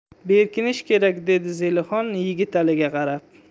berkinish kerak dedi zelixon yigitaliga qarab